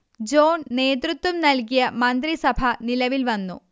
John നേതൃത്വം നൽകിയ മന്ത്രിസഭ നിലവിൽ വന്നു